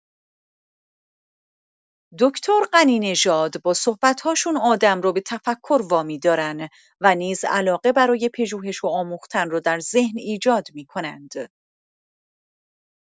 دکتر غنی‌نژاد با صحبت‌هاشون آدم رو به تفکر وامی‌دارن و نیز علاقه برای پژوهش و آموختن رو در ذهن ایجاد می‌کنند.